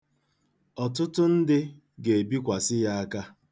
Ọtụtụ ndị ga-ebikwasị ya aka.